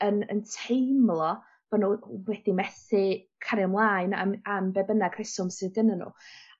yn yn teimlo bo' n'w wedi methu cario mlaen am am be' bynnag rheswm sydd gynnyn n'w.